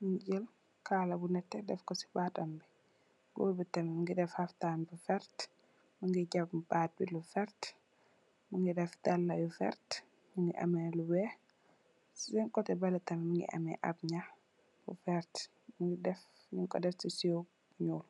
mu jël kala bu nètè tekk KO ci bataam bi. Gòor bi tamit mungi def haftaan bu vert, mungi jam baat bi lu vert, mungi def daala yu vert, mungi ameh lu weeh. Senn kotè balè tamit mungi ameh ab nëh bu vert ñung ko def ci sow bu ñuul.